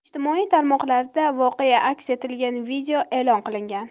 ijtimoiy tarmoqlarida voqea aks etgan video e'lon qilingan